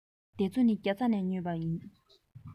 འདི ཚོ ནི རྒྱ ཚ ནས ཉོས པ ཡིན